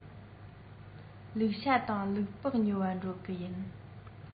ལུག ཤ དང ལུག ལྤགས ཉོ བར འགྲོ གི ཡིན